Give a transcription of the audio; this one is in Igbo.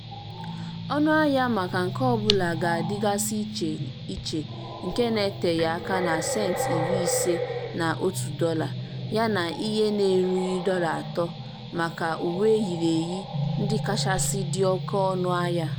Ọnụ ahịa maka nke ọ bụla adịgasị iche ichenke n'eteghi aka na Sentị iri ise (50 cents) na otu Dọla ($1) ya na ihe na-erughi Dọla atọ ($3) maka uwe eyiri eyi ndị kachasị dị oke ọnụ ahia.